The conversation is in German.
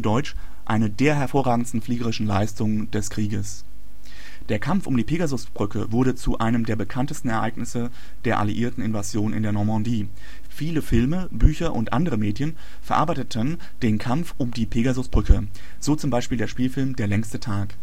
deutsch: " eine der hervorragendsten fliegerischen Leistungen des Krieges. "). Der Kampf um die Pegasusbrücke wurde zu einem der bekanntesten Ereignisse der Alliierten Invasion in der Normandie. Viele Filme, Bücher oder andere Medien verarbeiteten den Kampf um die Pegasusbrücke. So beispielsweise der Spielfilm Der längste Tag.